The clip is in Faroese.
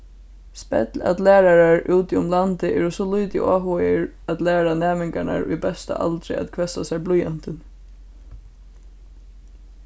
spell at lærarar úti um landið eru so lítið áhugaðir at læra næmingarnar í besta aldri at hvessa sær blýantin